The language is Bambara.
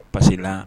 Parce